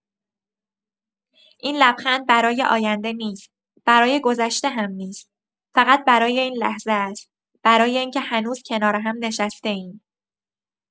این لبخند برای آینده نیست، برای گذشته هم نیست؛ فقط برای این لحظه است، برای این‌که هنوز کنار هم نشسته‌ایم.